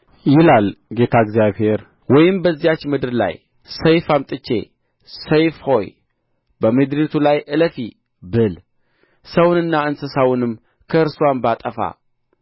ይላል ጌታ እግዚአብሔር ወይም በዚያች ምድር ላይ ሰይፍ አምጥቼ ሰይፍ ሆይ በምድሪቱ ላይ እለፊ ብል ሰውንና እንስሳውንም ከእርስዋ ባጠፋ